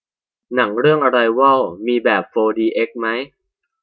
หนังเรื่องอะไรวอลมีแบบโฟร์ดีเอ็กซ์มั้ย